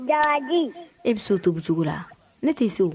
Jabaji e be se o tobi cogo la a ne te se o